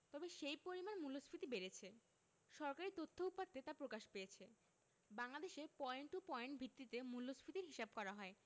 তবে সেই পরিমাণ মূল্যস্ফীতি বেড়েছে সরকারি তথ্য উপাত্তে তা প্রকাশ পেয়েছে বাংলাদেশে পয়েন্ট টু পয়েন্ট ভিত্তিতে মূল্যস্ফীতির হিসাব করা হয়